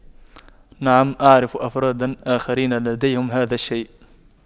نعم اعرف أفراد آخرين لديهم هذا الشيء